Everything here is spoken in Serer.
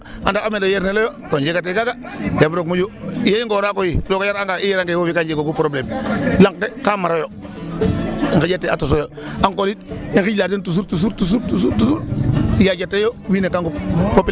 Ndax a mer o yerneloyo njegatee kaega yaam roog moƴu ye i ngora koy roog a yaaranga i yerange foofi ka i njegoogu probleme lanq ke ka marel ole yo nqeƴatee a tos oyo encore yit i ngijla den toujours toujours yaajateeyo wiin w ga nqup.